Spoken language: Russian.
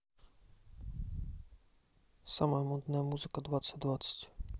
самая модная музыка двадцать двадцать